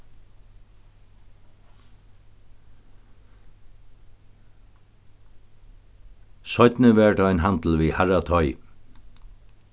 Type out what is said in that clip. seinni varð tað ein handil við harratoy